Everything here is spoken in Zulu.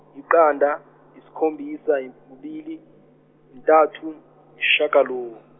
yiqanda, yisikhombisa i- kubili intathu, shakalo-.